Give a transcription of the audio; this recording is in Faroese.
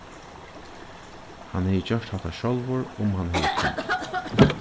hann hevði gjørt hatta sjálvur um hann hevði kunnað